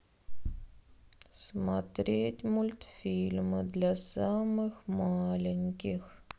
смотреть мультфильмы для самых маленьких